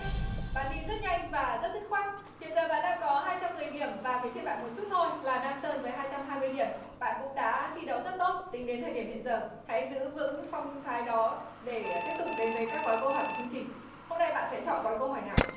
bạn đi rất nhanh và rất dứt khoát hiện giờ bạn đang có hai trăm mười điểm và phía trên bạn một chút thôi là lam sơn với hai trăm hai mươi điểm bạn cũng đã thi đấu rất tốt tính đến thời điểm hiện giờ hãy giữ vững phong thái đó để tiếp tục đến với các gói câu hỏi của chương trình hôm nay bạn sẽ chọn gói câu hỏi nào